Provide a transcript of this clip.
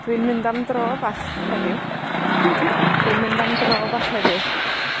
Dwi'n mynd am dro bach heddiw. Dwi'n mynd am dro bach heddiw.